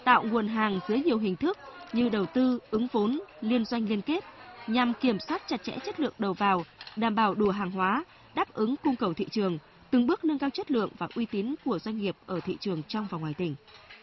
tạo nguồn hàng dưới nhiều hình thức như đầu tư ứng vốn liên doanh liên kết nhằm kiểm soát chặt chẽ chất lượng đầu vào đảm bảo đủ hàng hóa đáp ứng cung cầu thị trường từng bước nâng cao chất lượng và uy tín của doanh nghiệp ở thị trường trong và ngoài tỉnh